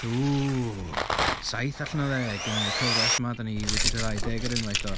Oooo! Saith allan o ddeg yn y cyfres 'ma, dan ni wedi rhyddau deg ar unwaith do.